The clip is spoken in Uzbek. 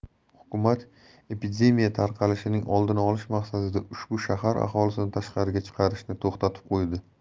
hukumat epidemiya tarqalishining oldini olish maqsadida ushbu shahar aholisini tashqariga chiqarishni to'xtatib qo'ydi